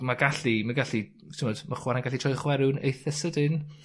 ma' gallu ma' gallu t'mod, mae chware'n gallu troi'n chwerw'n eitha sydyn.